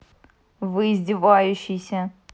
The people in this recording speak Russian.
вы издевающийся